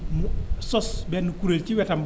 mu sos benn kuréel ci wetam